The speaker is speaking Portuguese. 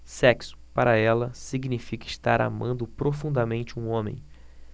sexo para ela significa estar amando profundamente um homem